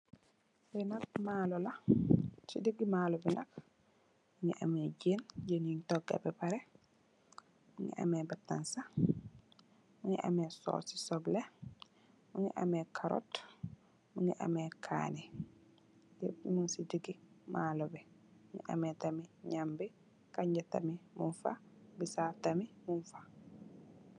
Lee nak malou la se dege malou be nak muge ameh jeen jeen yun tooga ba pareh muge ameh batansa muge ameh suse suble muge ameh carrot muge ameh kane yep mug se dege malou be muge ameh tamin nyabe kaga tamin mugfa besab tamin mugfa.